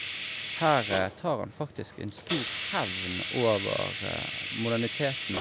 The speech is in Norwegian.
Her tar han faktisk en stor hevn over moderniteten.